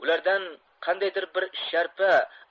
ulardan qandaydir bir sharpa